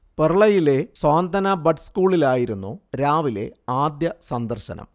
പെർളയിലെ Swanthana buds സ്കൂളിലായിരുന്നു രാവിലെ ആദ്യ സന്ദർശനം